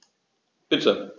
Bitte.